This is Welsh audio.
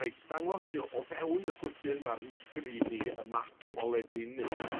reit dangos i o o fewn y gwydyr 'ma ar 'yn sgrin i y map o le dwi'n mynd